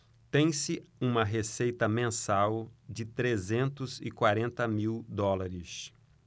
tem-se uma receita mensal de trezentos e quarenta mil dólares